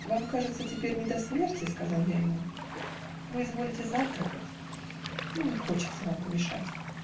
"Вам, кажется, теперь не до смерти, -- сказал я ему, -- вы изволите завтракать мне не хочется вам помешать".